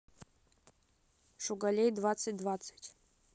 шугалей двадцать двадцать